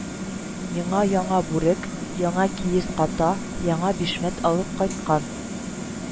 Миңа яңа бүрек, яңа киез ката, яңа бишмәт алып кайткан